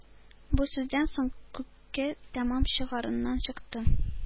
Бу сүздән соң Күке тәмам чыгарыннан чыкты.